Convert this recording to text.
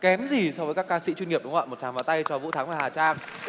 kém gì so với các ca sĩ chuyên nghiệp đúng không ạ một tràng pháo tay cho vũ thắng và hà trang